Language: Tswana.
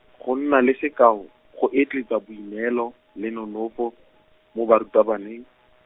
go nna le sekao, go etleetsa boineelo, le nonofo, mo barutabaneng.